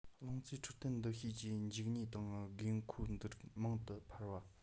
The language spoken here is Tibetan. རླུང རྩའི འཕྲོད བསྟེན འདུ ཤེས ཀྱི འཇིག ཉེན དང དགོས མཁོ འདི རིགས མང དུ འཕར བ